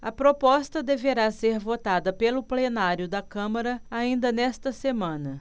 a proposta deverá ser votada pelo plenário da câmara ainda nesta semana